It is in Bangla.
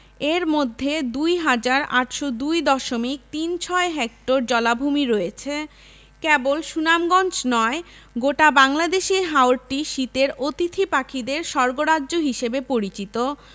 এর মধ্যে ২হাজার ৮০২ দশমিক তিন ছয় হেক্টর জলাভূমি রয়েছে কেবল সুনামগঞ্জ নয় গোটা বাংলাদেশেই হাওরটি শীতের অতিথি পাখিদের স্বর্গরাজ্য হিসেবে পরিচিত